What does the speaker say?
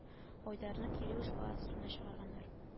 Айдарны кире үз палатасына чыгарганнар